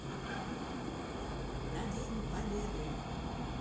на день победы